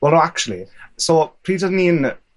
bo'r o actiwali... So, pryd odd ni'n yy